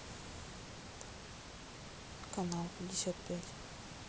канал пятьдесят пять